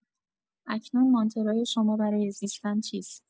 اکنون مانترای شما برای زیستن چیست؟